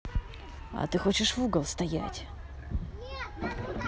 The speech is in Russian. а ты хочешь в угол устоять